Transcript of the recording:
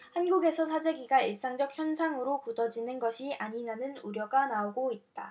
한국에서 사재기가 일상적 현상으로 굳어지는 것이 아니냐는 우려가 나오고 있다